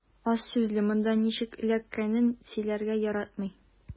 Аз сүзле, монда ничек эләккәнен сөйләргә яратмый.